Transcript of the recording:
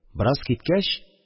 Бераз киткәч